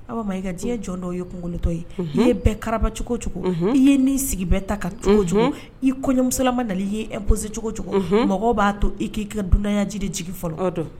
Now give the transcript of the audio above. Awa Maiga , diɲɛ jɔn dɔ ye kunkolontɔ i ye bɛ karaba cogo o cogo, i y’i nin sigi bɛɛ ta kan cogo o cogo, i kɔɲɔ musolama nalen, i y’i imposé mɔgɔw b'a to i k'i ka dunanyaji jigi fɔlɔ.